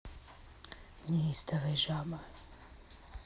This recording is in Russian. неистовый жаба